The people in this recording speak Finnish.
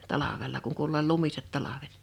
talvella kun kuului olleen lumiset talvet